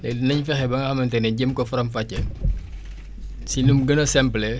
dinañ fexe ba nga xamante ne jéem ko faram-fàcce si num gën a simple